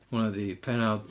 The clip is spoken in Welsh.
Hwnna 'di pennod...